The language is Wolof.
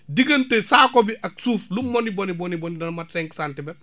diggante saako bi ak suuf lum mon boni bon dana mot cinq centimètres